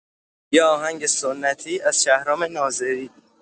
یه آهنگ سنتی از شهرام ناظری